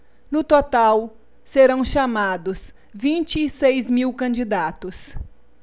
no total serão chamados vinte e seis mil candidatos